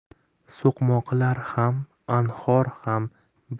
s'oqmoqlar ham anhor ham